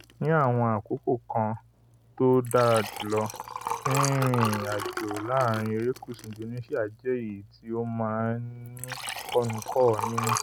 Ní àwọn àkókò kan tó dára jùlọ, rínrín ìrìn-àjò láàrín erékùsù Indonesia jẹ́ èyi tí ó ma ń ní kọ́nuúkọọ nínú.